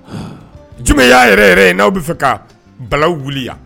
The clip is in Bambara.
J y'a yɛrɛ ye n' fɛ ka bala wuli